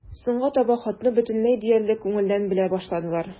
Соңга таба хатны бөтенләй диярлек күңелдән белә башладылар.